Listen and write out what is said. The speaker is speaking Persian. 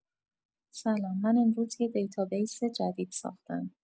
سلام من امروز یه دیتابیس جدید ساختم.